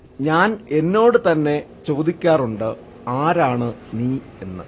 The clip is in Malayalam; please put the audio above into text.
ഞാൻ എന്നോട് തന്നെ ചോദിക്കാറുണ്ട് ആരാണ് നീ എന്ന്